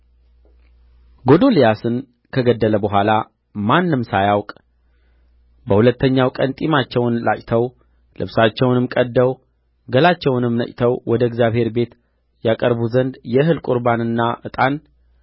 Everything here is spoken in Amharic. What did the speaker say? ጎዶልያስን ከገደለ በኋላ ማንም ሳያውቅ በሁለተኛው ቀን ጢማቸውን ላጭተው ልብሳቸውንም ቀድደው ገላቸውንም ነጭተው ወደ እግዚአብሔር ቤት ያቀርቡ ዘንድ የእህል ቍርባንና ዕጣን